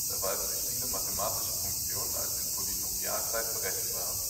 erweisen sich viele mathematische Funktionen als in Polynomialzeit berechenbar